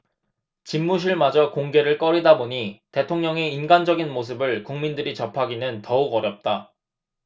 집무실마저 공개를 꺼리다 보니 대통령의 인간적인 모습을 국민들이 접하기는 더욱 어렵다